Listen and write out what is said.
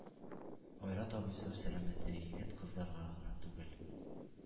Айрат абый сау-сәламәт егет-кызларга гына түгел,